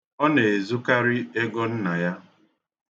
Ọ na-ezụkarị ego nna.